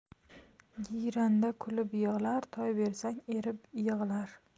giyranda kulib yig'lar toy bersang erib yig'lar